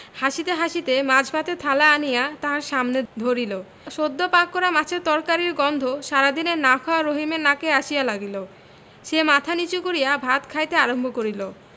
হাসিতে হাসিতে মাছ ভাতের থালা আনিয়া তাহার সামনে ধরিল সদ্য পাক করা মাছের তরকারির গন্ধ সারাদিনের না খাওয়া রহিমের নাকে আসিয়া লাগিল সে মাথা নীচু করিয়া ভাত খাইতে আরম্ভ করিল